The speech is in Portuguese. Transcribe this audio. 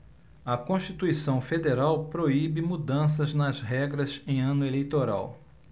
a constituição federal proíbe mudanças nas regras em ano eleitoral